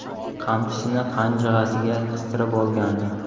qamchisini qanjig'asiga qistirib olgan edi